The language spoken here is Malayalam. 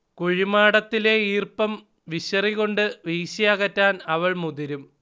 കുഴിമാടത്തിലെ ഈർപ്പം വിശറികൊണ്ട് വീശിയകറ്റാൻ അവൾ മുതിരും